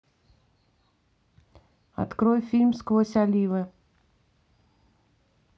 открой фильм сквозь оливы